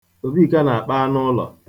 Obika na-akpa anụụlọ.